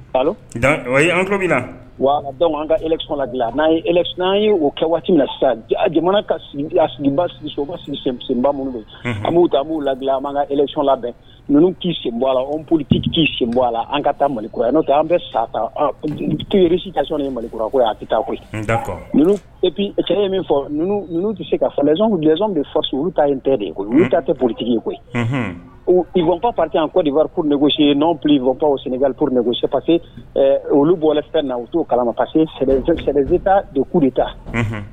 Wa an ka e an ye o kɛ waati na sisan jamana senba minnu'u la an e labɛn' sen politigi k' senbo la an ka taa malo yan n'o an bɛ sa tasisi yekura a tɛ taa koyi kɛnɛ ye min fɔ ninnu tɛ se kaz z fasi olu ta tɛ de ye taa tɛ bolitigi ye koyip parisi ye n'an pp sense pa olu bɔra na u'o kalafa sɛze ta de ku de ta